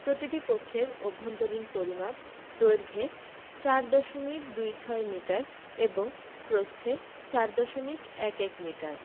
প্রতিটি কক্ষের অভ্যন্তরীণ পরিমাপ দৈর্ঘ্যে ৪ দশমিক দুই ছয় মিটার এবং প্রস্থে ৪ দশমিক এক এক মিটার